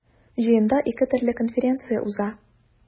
Җыенда ике төрле конференция уза.